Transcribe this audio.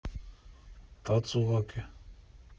Դա ծուղակ է։